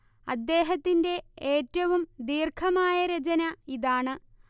അദ്ദേഹത്തിന്റെ ഏറ്റവും ദീർഘമായ രചന ഇതാണ്